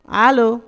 Aa